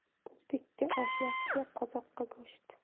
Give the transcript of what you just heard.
o'zbekka osh yaxshi qozoqqa go'sht